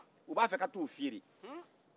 u b'a fɛ ka t'u fere